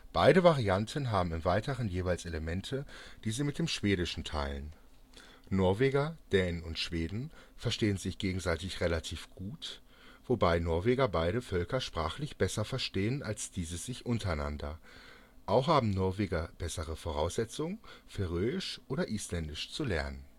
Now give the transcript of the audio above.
Beide Varianten haben im Weiteren jeweils Elemente, die sie mit dem Schwedischen teilen. Norweger, Dänen und Schweden verstehen sich gegenseitig relativ gut, wobei Norweger beide Völker sprachlich besser verstehen als diese sich untereinander. Auch haben Norweger bessere Voraussetzungen, Färöisch oder Isländisch zu erlernen